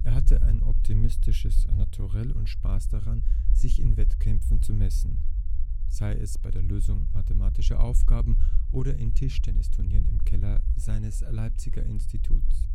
hatte ein optimistisches Naturell und Spaß daran, sich in Wettkämpfen zu messen – sei es bei der Lösung mathematischer Aufgaben oder in Tischtennisturnieren im Keller seines Leipziger Instituts